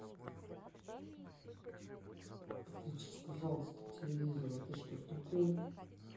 подключись пожалуйста к телевизору а ты что тупой